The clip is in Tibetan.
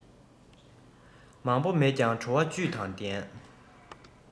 མང པོ མེད ཀྱང བྲོ བ བཅུད དང ལྡན